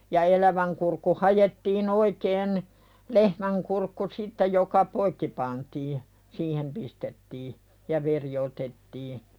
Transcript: ja elävän kurkku haettiin oikein lehmän kurkku sitten joka poikki pantiin siihen pistettiin ja veri otettiin